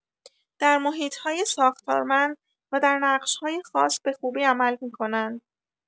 در محیط‌های ساختارمند و در نقش‌های خاص به‌خوبی عمل می‌کنند.